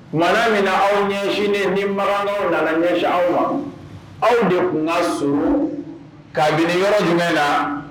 Mara min na aw ɲɛsinnen ni marakaw nana ɲɛsin aw ma aw de tun ka so ka jigin yɔrɔ jumɛn na